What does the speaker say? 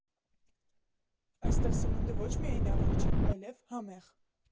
Այստեղ սնունդը ոչ միայն առողջ է, այլև՝ համեղ։